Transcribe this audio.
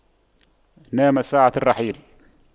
نام ساعة الرحيل